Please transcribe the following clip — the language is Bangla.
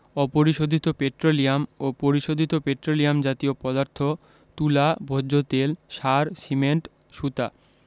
অপরিশোধিত পেট্রোলিয়াম ও পরিশোধিত পেট্রোলিয়াম জাতীয় পদার্থ তুলা ভোজ্যতেল সার সিমেন্ট সুতা